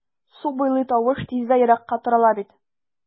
Су буйлый тавыш тиз вә еракка тарала бит...